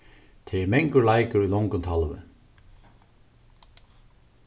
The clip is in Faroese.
tað er mangur leikur í longum talvi